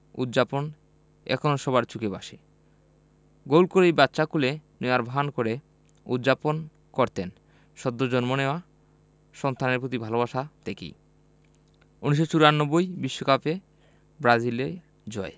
উয্যাপনটা এখনো সবার চোখে ভাসে গোল করেই বাচ্চা কোলে নেওয়ার ভান করে উয্যাপন করতেন সদ্য জন্ম নেওয়া সন্তানের প্রতি ভালোবাসা থেকেই ১৯৯৪ বিশ্বকাপের ব্রাজিলের জয়